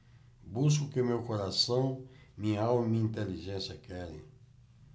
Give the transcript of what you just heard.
busco o que meu coração minha alma e minha inteligência querem